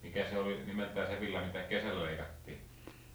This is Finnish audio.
mikä se oli nimeltään se villa mitä kesällä leikattiin